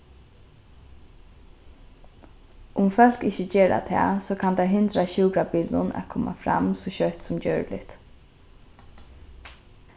um fólk ikki gera tað so kann tað hindra sjúkrabilinum at koma fram so skjótt sum gjørligt